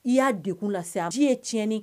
I y'a de kun lase a man, ji ye tiɲɛni